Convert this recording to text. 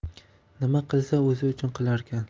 nima qilsa o'zi uchun qilarkan